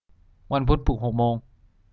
วันพุธปลุกหกโมง